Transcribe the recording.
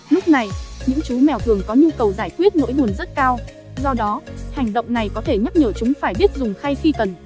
lúc này những chú mèo thường có nhu cầu giải quyết nỗi buồn rất cao do đó hành động này có thể nhắc nhở chúng phải biết dùng khay khi cần